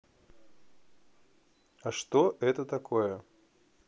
а что это такое